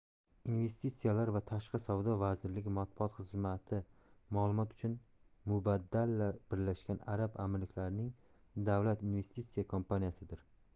investitsiyalar va tashqi savdo vazirligi matbuot xizmatima'lumot uchun mubadala birlashgan arab amirliklarining davlat investitsiya kompaniyasidir